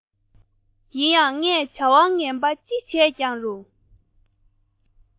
ཡིན ཡང ངས བྱ བ ངན པ ཅི བྱས ཀྱང རུང